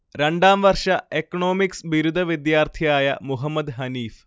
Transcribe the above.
രണ്ടാംവർഷ economics ബിരുദ വിദ്യാർത്ഥിയായ മുഹമ്മദ്ഹനീഫ്